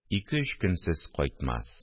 Ике-өч көнсез кайтмас